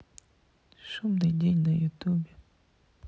шумный день на ютубе